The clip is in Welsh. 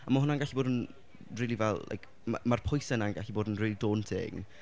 A mae hwnna'n gallu bod yn rili fel like... ma- ma'r pwysau na'n gallu bod yn really daunting.